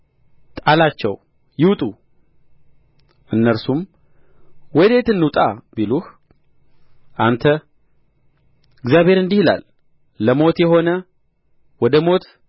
ጣላቸው ይውጡ እነርሱም ወዴት እንውጣ ቢሉህ አንተ እግዚአብሔር እንዲህ ይላል ለሞት የሆነ ወደ ሞት